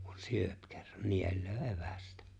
kun syö kerran nielee evästä